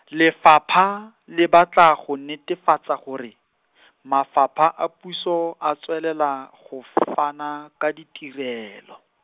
lefapha le batla go netefatsa gore , mafapha a puso a tswelela go fana ka ditirelo.